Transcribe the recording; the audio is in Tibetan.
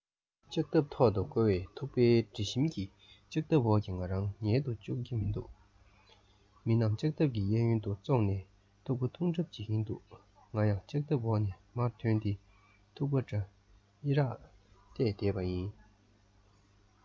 ལྕགས ཐབ ཐོག ཏུ བསྐོལ བའི ཐུག པའི དྲི ཞིམ གྱིས ལྕགས ཐབ འོག གི ང རང ཉལ དུ བཅུག གི མི འདུག མི རྣམས ལྕགས ཐབ ཀྱི གཡས གཡོན དུ ཙོག ནས ཐུག པ འཐུང གྲབས བྱེད ཀྱིན འདུག ང ཡང ལྕགས ཐབ འོག ནས མར ཐོན ཏེ ཐུག པ འདྲ ཨེ རག བལྟས བསྡད པ ཡིན